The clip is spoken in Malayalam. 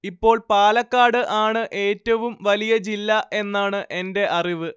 ഇപ്പോൾ പാലക്കാട് ആണ് ഏറ്റവും വലിയ ജില്ല എന്നാണ് എന്റെ അറിവ്